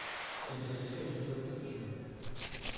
Мәдрәсәгә инспектор төшмәде.